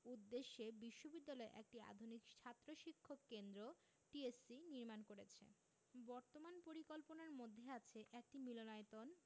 উদ্দেশ্যে বিশ্ববিদ্যালয় একটি আধুনিক ছাত্র শিক্ষক কেন্দ্র টিএসসি নির্মাণ করছে বর্তমান পরিকল্পনার মধ্যে আছে একটি মিলনায়তন